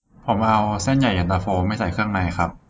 ผมเอาเส้นใหญ่เย็นตาโฟไม่ใส่เครื่องในครับ